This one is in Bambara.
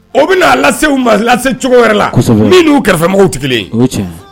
O bina a lase u ma lase cogowɛrɛ la kosɛbɛ minn'u kɛrɛfɛmɔgɔw ti 1 ye o ye tiɲɛ ye